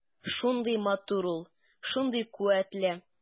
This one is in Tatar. Шундый матур ул, шундый куәтле.